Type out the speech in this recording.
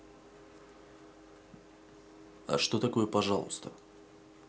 а что такое пожалуйста